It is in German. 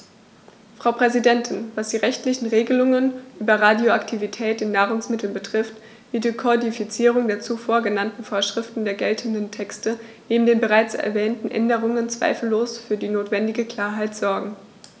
Frau Präsidentin, was die rechtlichen Regelungen über Radioaktivität in Nahrungsmitteln betrifft, wird die Kodifizierung der zuvor genannten Vorschriften der geltenden Texte neben den bereits erwähnten Änderungen zweifellos für die notwendige Klarheit sorgen.